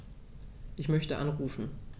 Ich möchte anrufen.